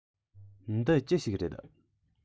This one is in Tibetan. འདི ཅི ཞིག རེད